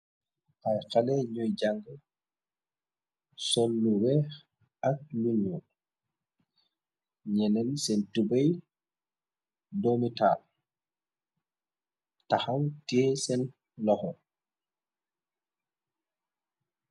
Ay xale yui jànga sol lu yu weex ak lu nuul nyenen sen tubai doomitaal taxaw tiyeh sen loxo.